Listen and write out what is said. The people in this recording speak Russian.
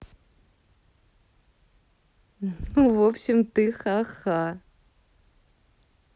ну в общем ты хаха